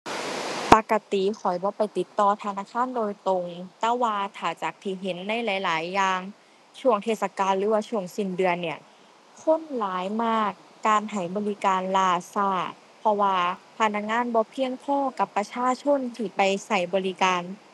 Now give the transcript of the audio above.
ปกติข้อยบ่ไปติดต่อธนาคารโดยตรง แต่ว่าถ้าจากที่เห็นในหลายหลายอย่าง ช่วงเทศกาลหรือว่าช่วงสิ้นเดือนเนี่ยคนหลายมาก การให้บริการล้าช้า เพราะว่าพนักงานบ่เพียงพอกับประชาชนที่ไปช้าบริการ